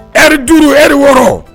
Eri duuru eri wɔɔrɔ